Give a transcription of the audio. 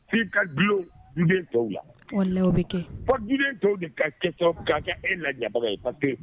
F'i ka dulon duden tɔw la walahi o be kɛ fɔ duden tɔw de ka kɛ sabab ka kɛ e la ɲabaga ye parce que